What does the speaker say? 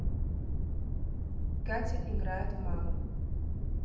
катя играет в маму